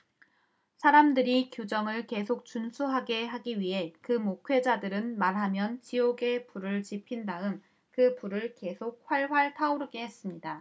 사람들이 규정을 계속 준수하게 하기 위해 그 목회자들은 말하자면 지옥의 불을 지핀 다음 그 불을 계속 활활 타오르게 하였습니다